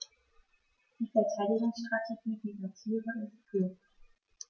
Die Verteidigungsstrategie dieser Tiere ist Flucht.